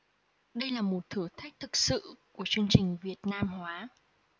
đây là một thử thách thực sự của chương trình việt nam hóa